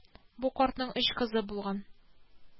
Бу картның өч кызы булган